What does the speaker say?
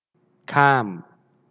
ข้าม